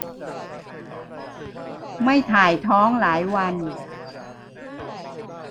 ไม่ถ่ายท้องหลายวัน